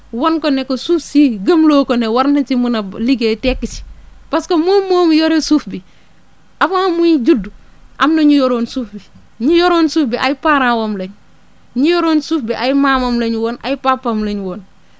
wan ko ne ko suuf sii gëmloo ko ne war na ci mën a liggéey tekki si parce que moom moo ngi yore suuf bi avant muy judd am na ñu yoroon suuf bi éni yoroon suuf bi ay parents am lañ ñi yoroon suuf bi ay maamam la ñu woon ay papaam la ñu woon